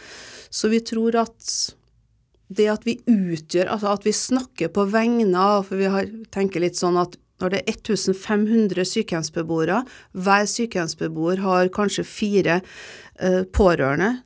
så vi tror at det at vi utgjør altså at vi snakker på vegne av vi har tenker litt sånn at når det er 1500 sykehjemsbeboere, hver sykehjemsbeboer har kanskje fire eee pårørende.